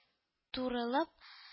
Турылып